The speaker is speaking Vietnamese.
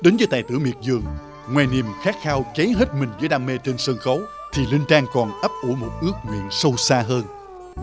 đến với tài tử miệt dườn ngoài niềm khát khao cháy hết mình dứ đam mê trên sân khấu thì linh trang còn ấp ủ một ước nguyện sâu xa hơn